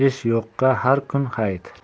ishi yo'qqa har kun hayit